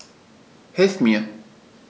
Hilf mir!